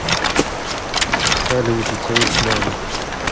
салют у тебя есть мама